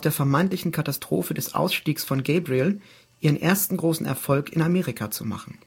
vermeintlichen Katastrophe des Ausstiegs von Gabriel ihren ersten großen Erfolg in Amerika zu machen